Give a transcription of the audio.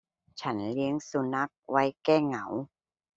ฉันเลี้ยงสุนัขไว้แก้เหงา